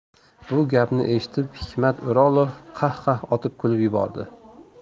bu gapni eshitib hikmat o'rolov qah qah otib kulib yubordi